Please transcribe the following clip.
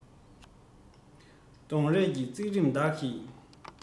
གདོང རས ཀྱི བརྩེགས རིམ བདག གིས